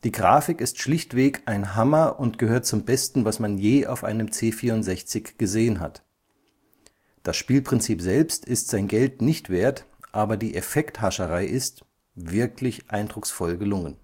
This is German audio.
Grafik ist schlichtweg ein Hammer und gehört zum Besten, was man je auf dem C64 gesehen hat [...] Das Spielprinzip selbst ist sein Geld nicht wert, aber die Effekthascherei ist, wirklich eindrucksvoll gelungen